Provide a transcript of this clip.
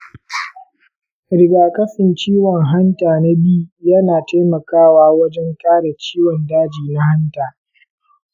rigakafin ciwon hanta na b yana taimakawa wajen kare ciwon daji na hanta.